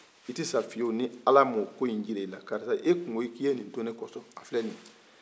i ti sa fiyewu ni ala ma o jiran i la karisa a tun ko k'i ye ni kow to ne ko son a filɛ nin ye